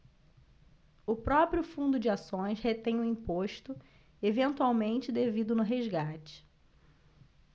o próprio fundo de ações retém o imposto eventualmente devido no resgate